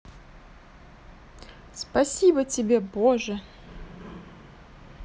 спасибо тебе боже